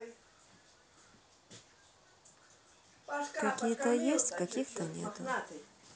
какие то есть каких то нету